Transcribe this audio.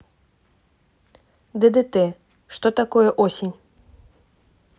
ддт что такое осень